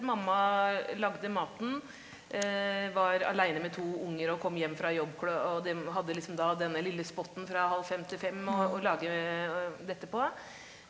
mamma lagde maten var aleine med to unger og kom hjem fra jobb og dem hadde liksom da denne lille spotten fra halv fem til fem å å lage dette på.